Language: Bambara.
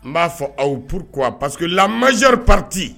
N b'a fɔ aw po ko pa que lamazri pate